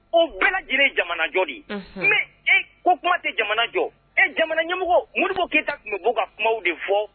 O bɛɛ lajɛlen ye jamanajɔ de ye, unhun, mais ɛ e ko kuma tɛ jamana jɔ, e jamana ɲɛmɔgɔ Modibo Kɛyita tun bɛ bɔ ka kumaw de fɔ